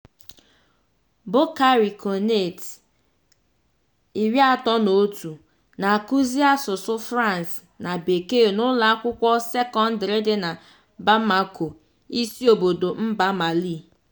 Boukary Konaté, 31, na-akụzi asụsụ France na Bekee n'ụlọ akwụkwọ sekọndịrị dị na Bamako, isi obodo mba Mali.